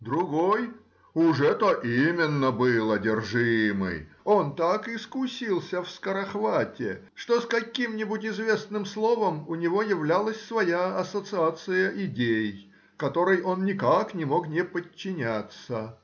Другой — уже это именно был одержимый,— он так искусился в скорохвате, что с каким-нибудь известным словом у него являлась своя ассоциация идей, которой он никак не мог не подчиняться.